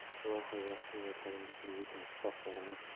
iloho yaxshi niyatlaringizga yeting shoh o'g'lim